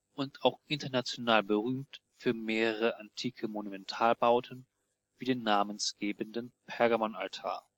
und auch international berühmt für mehrere antike Monumentalbauten wie den namengebenden Pergamonaltar